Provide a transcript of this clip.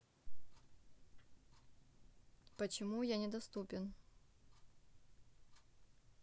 почему я недоступен